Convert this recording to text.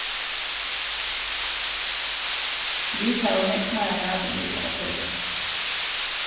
vit hava nógv meira mat enn vit hava tørv á